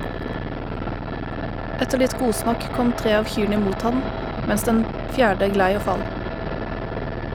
Etter litt godsnakk kom tre av kyrne mot han, mens den fjerde glei og fall.